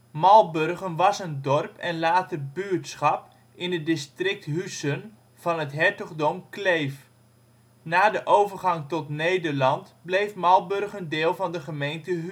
Malburgen was een dorp en later buurtschap in het district Huissen van het Hertogdom Kleef. Na de overgang tot Nederland bleef Malburgen deel van de gemeente